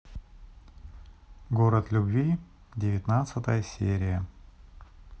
город любви девятнадцатая серия